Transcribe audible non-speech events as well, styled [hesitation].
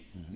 [hesitation] [hesitation]